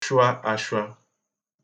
shwa ashwa